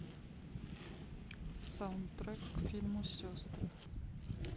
саундтрек к фильму сестры